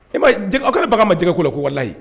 E ma ye baga ma jɛgɛ ko la koyi walayi.